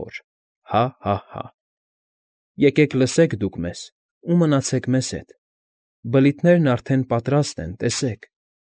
Խոր Հա՛֊հա՛֊հա՛։ Եկեք լսեք դուք մեզ Ու մնացեք մեզ հետ, Բլիթներն արդեն Պատրաստ են, տեսեք։